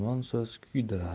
yomon so'z kuydiradi